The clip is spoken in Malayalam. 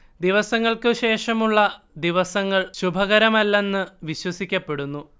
ദിവസങ്ങൾക്കു ശേഷമുള്ള ദിവസങ്ങൾ ശുഭകരമല്ലെന്ന് വിശ്വസിക്കപ്പെടുന്നു